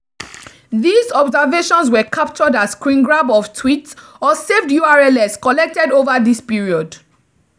These observations were captured as screengrabs of tweets or saved URLs collected over this period.